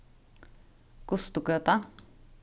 gustugøta